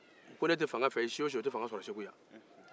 ko n'e te fanga fe i si o si o te fanga sɔrɔ segu yan